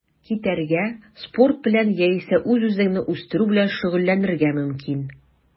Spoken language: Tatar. Китәргә, спорт белән яисә үз-үзеңне үстерү белән шөгыльләнергә мөмкин.